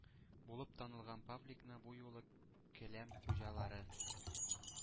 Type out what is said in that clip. Булып танылган павликны бу юлы келәм хуҗалары